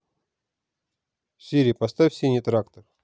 сири поставь синий трактор